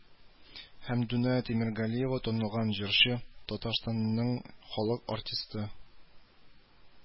Хәмдүнә Тимергалиева танылган җырчы, Татарстанның халык артисты